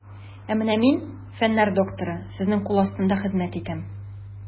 Ә менә мин, фәннәр докторы, сезнең кул астында хезмәт итәм.